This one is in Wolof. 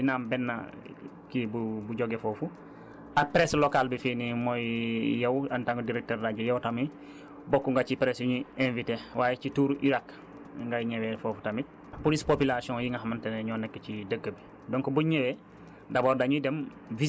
day di waaye tamit waa presse côté Louga dina am benn kii bu jóge foofu ak presse locale bi fii nii mooy yow en tant que directeur radio yow tamit bokk nga ci presse yu ñuy invité waaye ci turu URAC ngay ñëwee foofu tamit plus population yi nga xamante ne ñoo nekk si dëkk bi